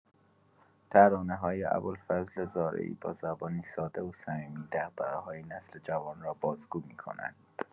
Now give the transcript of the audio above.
ترانه‌های ابوالفضل زارعی با زبانی ساده و صمیمی، دغدغه‌های نسل جوان را بازگو می‌کنند.